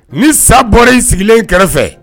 Ni sa bɔra in sigilen kɛrɛfɛ kɛrɛ